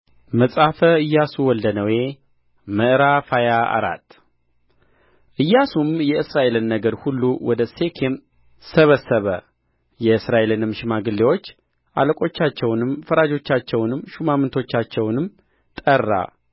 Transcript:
መጽሐፈ ኢያሱ ወልደ ነዌ ምዕራፍ ሃያ አራት ኢያሱም የእስራኤልን ነገድ ሁሉ ወደ ሴኬም ሰበሰበ የእስራኤልንም ሽማግሌዎች አለቆቻቸውንም ፈራጆቻቸውንም ሹማምቶቻቸውንም ጠራ